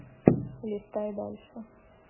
листай дальше